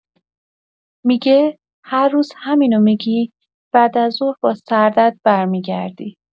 می‌گه: «هر روز همینو می‌گی، بعد ظهر با سردرد برمی‌گردی.»